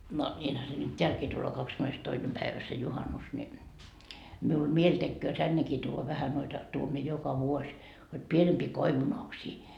no niinhän se nyt täälläkin tulee kahdeskymmenestoinen päivä se juhannus niin minulla mieli tekee tännekin tuoda vähän noita tuon minä joka vuosi hod pienempiä koivunoksia